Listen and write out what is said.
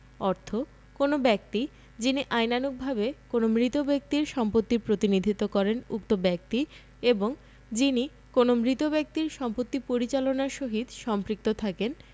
অর্থ কোন ব্যক্তি যিনি আইনানুগভাবে কোন মৃত ব্যক্তির সম্পত্তির প্রতিনিধিত্ব করেন উক্ত ব্যক্তি এবং যিনি কোন মৃত ব্যক্তির সম্পত্তি পরিচালনার সহিত সম্পৃক্ত থাকেন